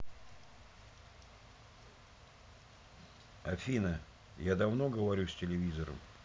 афина я давно говорю с телевизором